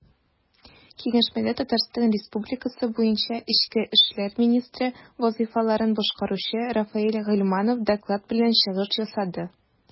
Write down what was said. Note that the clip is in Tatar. Киңәшмәдә ТР буенча эчке эшләр министры вазыйфаларын башкаручы Рафаэль Гыйльманов доклад белән чыгыш ясады.